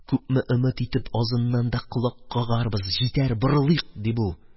Күпне өмет итеп, азыннан да колак кагарбыз, җитәр, борылыйк, ди бу.